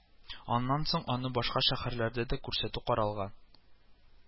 Аннан соң аны башка шәһәрләрдә дә күрсәтү каралган